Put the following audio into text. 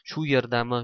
shu yerdami